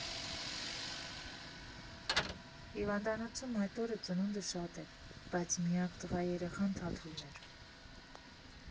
Հիվանդանոցում այդ օրը ծնունդը շատ էր, բայց միակ տղա երեխան Թաթուլն էր։